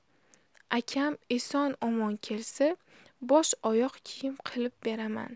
akam eson omon kelsa bosh oyoq kiyim qilib beraman